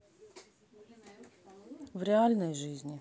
в реальной жизни